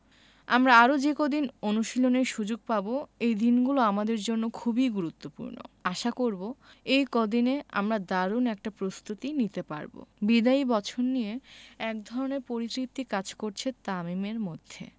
আমরা আরও যে কদিন অনুশীলনের সুযোগ পাব এই দিনগুলো আমাদের জন্য খুবই গুরুত্বপূর্ণ আশা করব এই কদিনে আমরা দারুণ একটা প্রস্তুতি নিতে পারব বিদায়ী বছর নিয়ে একধরনের পরিতৃপ্তি কাজ করছে তামিমের মধ্যে